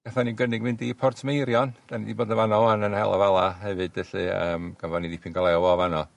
Gathan ni'n gynnig mynd i Portmeirion 'dan ni 'di bod yn fana 'wan yn hel afala hefyd felly yym gafon ni ddipyn gal lew o fan 'no.